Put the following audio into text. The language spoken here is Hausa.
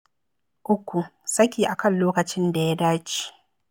3. Saki a kan lokacin da ya dace.